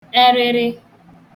erịrị